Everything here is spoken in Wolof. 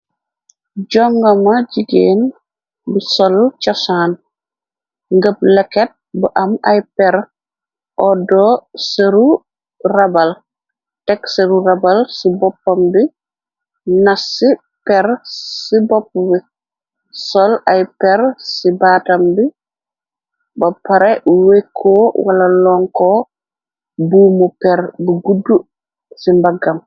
jongama jigéen bi sol cosaan ngëb leket bu am ay per odo seru rabal texsëru rabal ci boppam bi nas ci per ci bopp wi sol ay per ci baatam bi ba pare weko wala lonko buumu per bu gudd ci mbaggam